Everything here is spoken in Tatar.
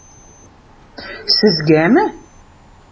Сезгәме?